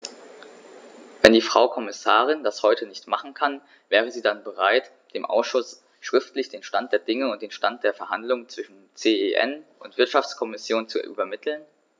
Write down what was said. Wenn die Frau Kommissarin das heute nicht machen kann, wäre sie dann bereit, dem Ausschuss schriftlich den Stand der Dinge und den Stand der Verhandlungen zwischen CEN und Wirtschaftskommission zu übermitteln?